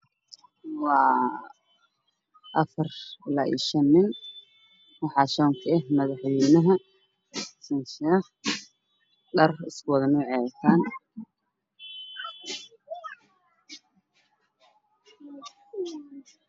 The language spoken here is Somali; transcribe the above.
Waxaa ii muuqdaa madaxweyne xasan sheekh maxamuud iyo ra-iisul wasaare xamza cabdi barre iyo adan madoobe iyo laba nin oo kale waxa ayna wataan suudaan midabkoodu yahay buluug